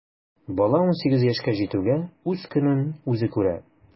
Бала унсигез яшькә җитүгә үз көнен үзе күрә.